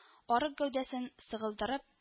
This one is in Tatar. Арык гәүдәсен сыгылдырып